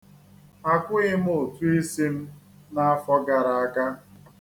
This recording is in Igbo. Akwụghị m ụtụisi m n'afọ gara aga.